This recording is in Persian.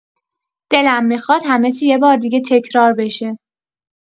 دلم میخواد همه چی یه بار دیگه تکرار بشه.